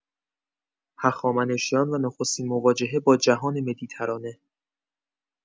هخامنشیان و نخستین مواجهه با جهان مدیترانه